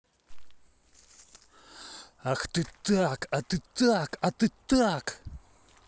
ах ты так а ты так а ты так